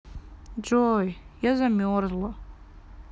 джой я замерзла